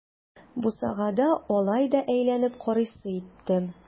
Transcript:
Бусагада алай да әйләнеп карыйсы иттем.